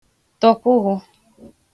tọ̀kwụhụ